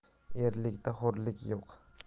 erlikda xo'rlik yo'q